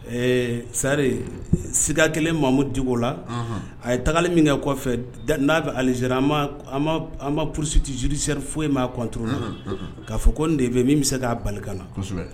Ɛɛ Sarii sika kelen Mahamud Dicko la anhan a ye tagali min kɛ kɔfɛ da n'a bɛ Aligérie an ma an ma an ma poursuite judiciaire> foyi mɛ a contre la un un k'a fɔ ko nin de bɛ ye min bɛ se k'a bali ka na kosɛbɛ